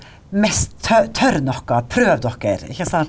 mest tør noe, prøv dere ikke sant.